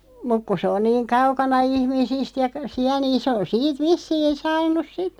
mutta kun se on niin kaukana ihmisistä ja siellä niin se on siitä vissiin saanut sitten